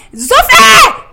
N tɛ